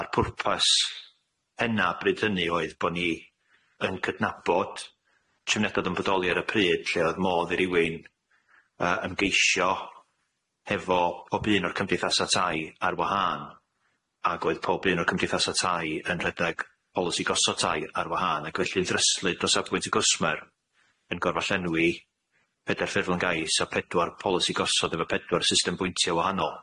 A'r pwrpas henna bryd hynny oedd bo' ni yn cydnabod triniada o'dd yn bodoli ar y pryd lle o'dd modd i riwin yy ymgeisho hefo pob un o'r cymdeithasa' tai ar wahân ag oedd pob un o'r cymdeithasa' tai yn rhedeg polisi gosod tai ar wahân ac felly'n ddryslyd o safbwynt y cwsmer yn gorfod llenwi pedwar ffurflen gais a pedwar polisi gosod efo pedwar system bwyntia wahanol,